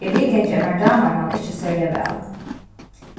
eg viðgangi at mær dámar hann ikki serliga væl